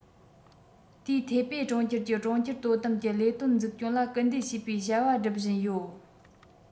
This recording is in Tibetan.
དེའི ཐའེ པེ གྲོང ཁྱེར གྱི གྲོང ཁྱེར དོ དམ གྱི ལས དོན འཛུགས སྐྱོང ལ སྐུལ འདེད བྱེད པའི བྱ བ སྒྲུབ བཞིན ཡོད